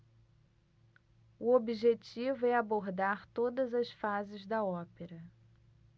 o objetivo é abordar todas as fases da ópera